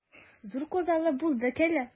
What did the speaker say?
Зур казалы булдык әле.